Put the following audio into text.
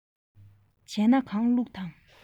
བྱས ན གང བླུགས དང